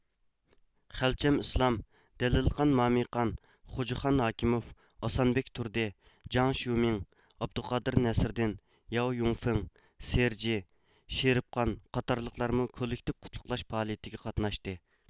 خەلچەم ئىسلام دەلىلقان مامىقان خوجىخان ھاكىموف ئاسانبېك تۇردى جاڭ شيۇمىڭ ئابدۇقادىر نەسىردىن ياۋ يۇڭفېڭ سېرجې شېرىپقان قاتارلىقلارمۇ كوللېكتىپ قۇتلۇقلاش پائالىيىتىگە قاتناشتى